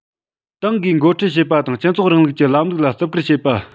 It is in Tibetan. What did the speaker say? ཏང གིས འགོ ཁྲིད བྱེད པ དང སྤྱི ཚོགས རིང ལུགས ཀྱི ལམ ལུགས ལ བརྩི བཀུར བྱེད པ